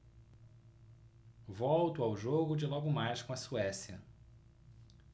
volto ao jogo de logo mais com a suécia